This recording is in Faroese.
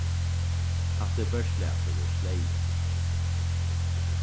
hatta er bert slatur og sleyg